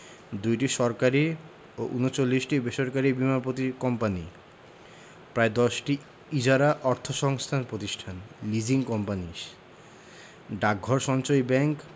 ২টি সরকারি ও ৩৯টি বেসরকারি বীমা পতি কোম্পানি প্রায় ১০টি ইজারা অর্থসংস্থান প্রতিষ্ঠান লিজিং কোম্পানিস ডাকঘর সঞ্চয়ী ব্যাংক